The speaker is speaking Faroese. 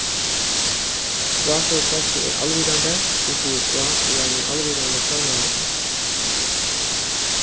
frásøgufólkið er alvitandi og sigur frá úr einum alvitandi sjónarhorni